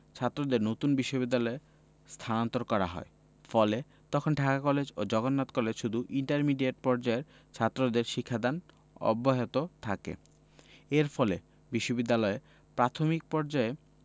ছাত্রদের নতুন বিশ্ববিদ্যালয়ে স্থানান্তর করা হয় ফলে তখন ঢাকা কলেজ ও জগন্নাথ কলেজ শুধু ইন্টারমিডিয়েট পর্যায়ের ছাত্রদের শিক্ষাদান অব্যাহত থাকে এর ফলে বিশ্ববিদ্যালয়ে প্রাথমিক পর্যায়ে